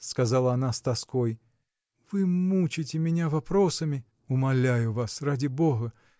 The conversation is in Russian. – сказала она с тоской, – вы мучите меня вопросами. – Умоляю вас, ради бога!